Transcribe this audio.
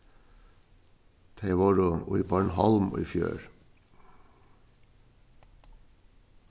tey vóru í bornholm í fjør